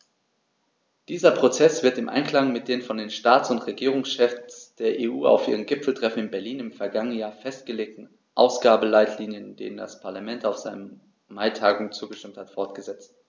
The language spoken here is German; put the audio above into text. Dieser Prozess wird im Einklang mit den von den Staats- und Regierungschefs der EU auf ihrem Gipfeltreffen in Berlin im vergangenen Jahr festgelegten Ausgabenleitlinien, denen das Parlament auf seiner Maitagung zugestimmt hat, fortgesetzt.